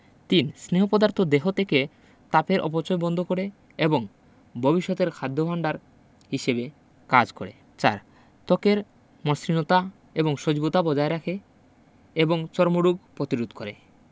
৩ স্নেহ পদার্থ দেহ থেকে তাপের অপচয় বন্ধ করে এবং ভবিষ্যতের জন্য খাদ্য ভাণ্ডার হিসেবে কাজ করে ৪ ত্বকের মসৃণতা এবং সজীবতা বজায় রাখে এবং চর্মরোগ প্রতিরোধ করে